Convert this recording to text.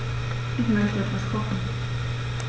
Ich möchte etwas kochen.